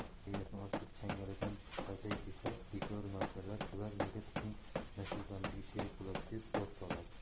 raiyyatni ochlik changalidan qutqazay desa beklaru navkarlar bular nega bizning nasibamizga sherik bo'ladi deb dod soladi